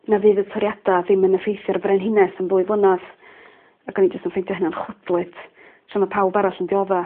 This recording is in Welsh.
na fydd y toriada ddim yn effeithio'r frenhines am ddwy flynadd. Ac o'n i jys' yn ffeindio hynna'n chwydlyd. Tra ma' pawb arall yn diodda.